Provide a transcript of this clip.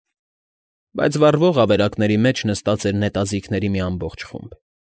Բայց վառվող ավերակների մեջ նստած էր նետաձիգների մի ամբողջ խումբ։